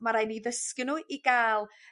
ma' rai ni ddysgu nhw i ga'l